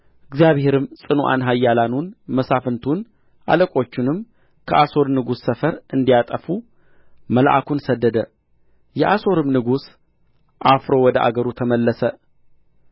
እግዚአብሔርም ጽኑዓን ኃያላኑንና መሳፍንቱን አለቆቹንም ከአሦር ንጉሥ ሰፈር እንዲያጠፋ መልአኩን ሰደደ የአሦርም ንጉሥ አፍሮ ወደ አገሩ ተመለሰ